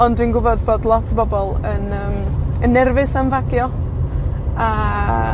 ond dwi'n gwbod bod lot o bobol yn, yym, yn nerfus am fagio. A,